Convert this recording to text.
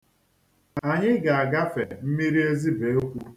Anyị ga-agafe mmiri Ezibekwu